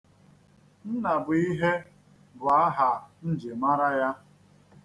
Nnabụihe bụ aha m ji mara ya.